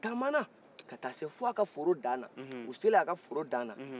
u taamana ka ta se f'a ka foro danan u sele a ka foro danan